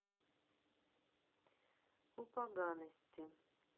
у поганости